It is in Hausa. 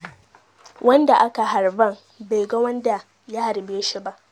Wanda aka harban baiga wanda ya harbe shi ba.